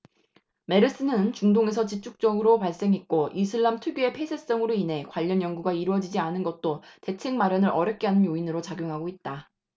메르스는 중동에서 집중적으로 발생했고 이슬람 특유의 폐쇄성으로 인해 관련 연구가 이뤄지지 않은 것도 대책 마련을 어렵게 하는 요인으로 작용하고 있다